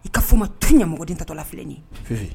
I ka fɔ ma to ɲɛmɔgɔden tatɔ la filɛlen ye